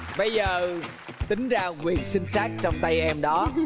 bây giờ tính ra quyền sinh sát trong tay em đó